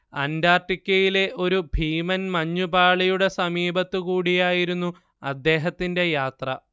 അന്റാർട്ടിക്കയിലെ ഒരു ഭീമൻ മഞ്ഞുപാളിയുടെ സമീപത്തുകൂടിയായിരുന്നു അദ്ദേഹത്തിന്റെ യാത്ര